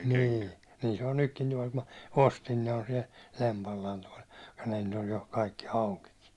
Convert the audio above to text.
niin niin se on nytkin niin vaikka minä ostin ne on siellä lempallaan tuo nämähän nyt on jo kaikki aukikin